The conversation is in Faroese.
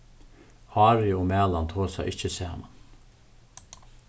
ári og malan tosa ikki saman